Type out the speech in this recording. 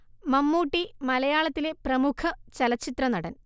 മമ്മൂട്ടി മലയാളത്തിലെ പ്രമുഖ ചലച്ചിത്രനടൻ